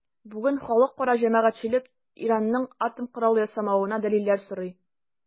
Бүген халыкара җәмәгатьчелек Иранның атом коралы ясамавына дәлилләр сорый.